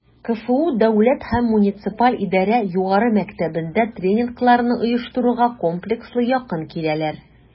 КФУ Дәүләт һәм муниципаль идарә югары мәктәбендә тренингларны оештыруга комплекслы якын киләләр: